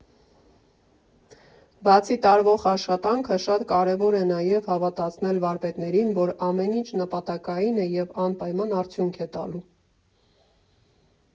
Բացի տարվող աշխատանքը, շատ կարևոր էր նաև հավատացնել վարպետներին, որ ամեն ինչ նպատակային է և անպայման արդյունք է տալու։